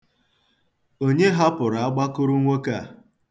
Onye hapụrụ agbakụrụnwoke a?